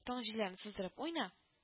Таң җилләрен сыздырып уйна